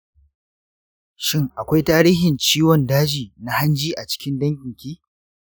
shin akwai tarihin ciwon daji na hanji a cikin danginki?